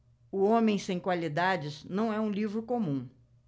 o homem sem qualidades não é um livro comum